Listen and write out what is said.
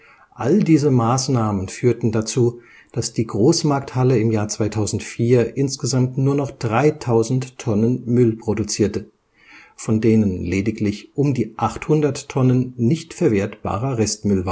Alle diese Maßnahmen führten dazu, dass die Großmarkthalle 2004 insgesamt nur noch 3.000 Tonnen Müll produzierte, von denen lediglich um die 800 Tonnen nicht verwertbarer Restmüll